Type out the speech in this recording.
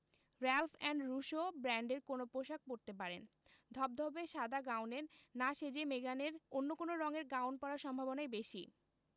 ্যালফ and Russo ব্র্যান্ডের কোনো পোশাক পরতে পারেন ধবধবে সাদা গাউনে না সেজে মেগানের অন্য কোন রঙের গাউন পরার সম্ভাবনাই বেশি